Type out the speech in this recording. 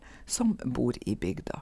Som bor i bygda.